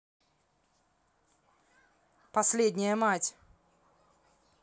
последняя мать